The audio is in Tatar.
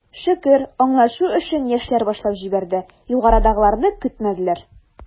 Шөкер, аңлашу эшен, яшьләр башлап җибәрде, югарыдагыларны көтмәделәр.